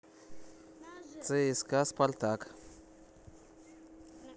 цска спартак